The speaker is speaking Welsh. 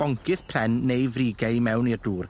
boncyth pren neu frige i mewn i'r dwr.